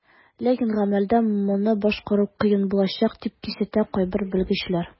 Ләкин гамәлдә моны башкару кыен булачак, дип кисәтә кайбер белгечләр.